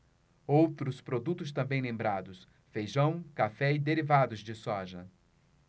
outros produtos também lembrados feijão café e derivados de soja